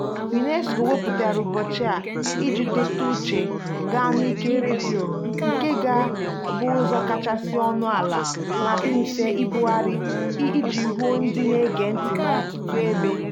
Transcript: UNESCO wepụtara ụbọchị a iji dọta uche gaa n'ike redio — nke ka bụ ụzọ kachasị ọnụ ala ma dị mfe ibugharị iji ruo ndị na-ege ntị n'ọtụtụ ebe.